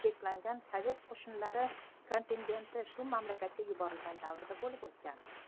cheklangan sovet qo'shinlari kontingenti shu mamlakatga yuborilgan davrda bo'lib o'tgan